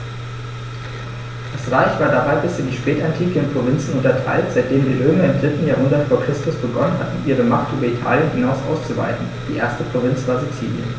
Das Reich war dabei bis in die Spätantike in Provinzen unterteilt, seitdem die Römer im 3. Jahrhundert vor Christus begonnen hatten, ihre Macht über Italien hinaus auszuweiten (die erste Provinz war Sizilien).